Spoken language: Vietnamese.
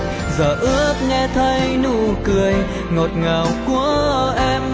giờ ước nghe thấy nụ cười ngọt ngào của em